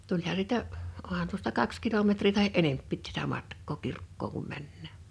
tulihan sitä onhan tuosta kaksi kilometriä tai enempikin tätä matkaa kirkkoon kun mennään